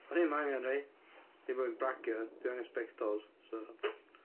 O'n i ddim angen rhei, dim bo' fi bragio, dwi angen sbectols so.